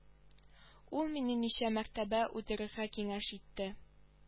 Ул мине ничә мәртәбә үтерергә киңәш итте